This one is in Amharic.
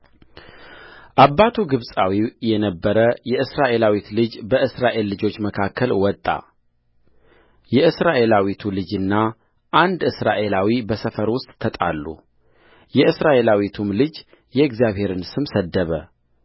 አባቱ ግብፃዊ የነበረ የእስራኤላዊት ልጅ በእስራኤል ልጆች መካከል ወጣ የእስራኤላዊቱ ልጅና አንድ እስራኤላዊ በሰፈር ውስጥ ተጣሉየእስራኤላዊቱም ልጅ የእግዚአብሔርን ስም ሰደበ